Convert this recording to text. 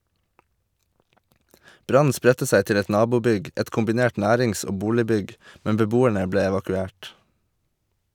Brannen spredte seg til et nabobygg, et kombinert nærings- og boligbygg, men beboerne ble evakuert.